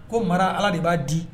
Ko mara ala de b'a di